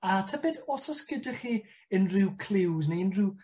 A tybed os o's gyda chi unrhyw cliws ne' unrhyw